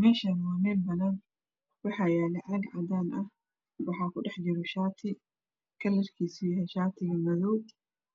Meshan wa melbanan waxa yala cag cadan ahwaxa kudhaxjiro shati kalarkisuyahay shatiga madow